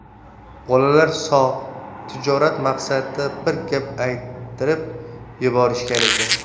bolalar sog' tijorat maqsadida bir gap ayttirib yuborishgan ekan